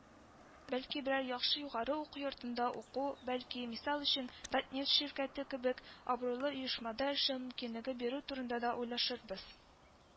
Бәлки, берәр яхшы югары уку йортында уку, бәлки, мисал өчен, Татнефть ширкәте кебек, абруйлы оешмада эшләү мөмкинлеге бирү турында да уйлашырбыз